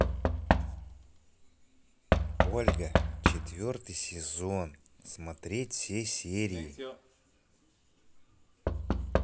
ольга четвертый сезон смотреть все серии